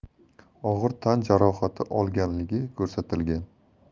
og'ir tan jarohati olganligi ko'rsatilgan